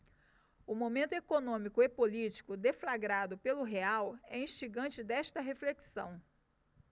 o momento econômico e político deflagrado pelo real é instigante desta reflexão